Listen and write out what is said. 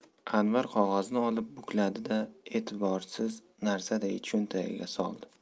anvar qog'ozni olib bukladi da e'tiborsiz narsaday cho'ntagiga soldi